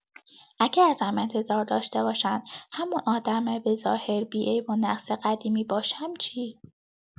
اگه ازم انتظار داشته باشن همون آدم به‌ظاهر بی عیب‌ونقص قدیمی باشم، چی؟